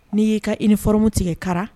N'i y'i ka i ni fmu tigɛ kala